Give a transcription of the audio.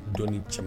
Don ni cɛ